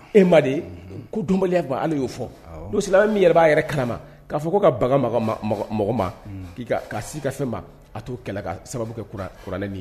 E ma de ko dumbaliya ban ala y'o fɔ do silamɛ min yɛrɛ b'a yɛrɛ karama k'a fɔ ko ka bagan mɔgɔ ma k''a si ka fɛn ma a t'o kɛlɛ ka sababu kɛuranɛ ye